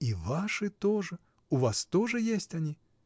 — И ваши тоже: у вас тоже есть они.